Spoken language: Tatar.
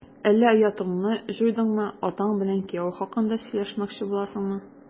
Әллә оятыңны җуйдыңмы, атаң белән кияү хакында сөйләшмәкче буласыңмы? ..